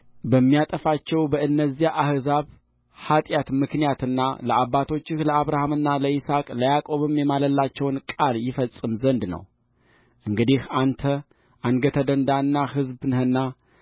በሚያጠፋቸው በእነዚያ አሕዛብ ኃጢአት ምክንያትና ለአባቶችህ ለአብርሃምና ለይስሐቅ ለያዕቆብም የማለላቸውን ቃል ይፈጽም ዘንድ ነውእንግዲህ አንተ አንገተ ደንዳና ሕዝብ ነህና